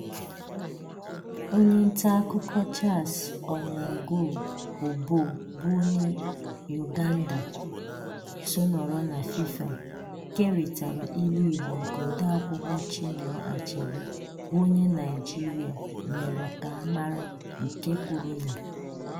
Onye nta akụkọ Charles Onyango-Obbo bụ onye Uganda, so nọrọ na FIFA, kerịtara ilu Igbo nke odeakwụkwọ Chinua Achebe bụ onye Naịjirịa mere ka a maa nke kwuru na: